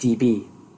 Di Bi